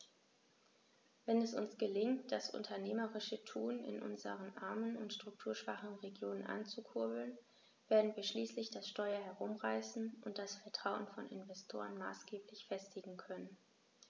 Wenn es uns gelingt, das unternehmerische Tun in unseren armen und strukturschwachen Regionen anzukurbeln, werden wir schließlich das Steuer herumreißen und das Vertrauen von Investoren maßgeblich festigen können.